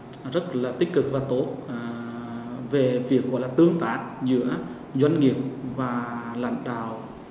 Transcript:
rất là tích cực và tốt à về việc tương tác giữa doanh nghiệp và lãnh đạo